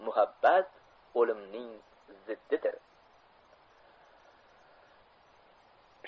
muhabbat 'limning ziddidir